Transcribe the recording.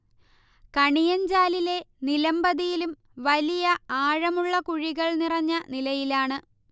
കണിയഞ്ചാലിലെ നിലംപതിയിലും വലിയ ആഴമുള്ള കുഴികൾ നിറഞ്ഞനിലയിലാണ്